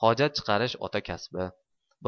hojat chiqarish ota kasbi